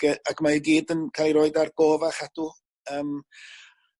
yy ag mae i gyd yn ca'l 'i roid ar gof a chadw yym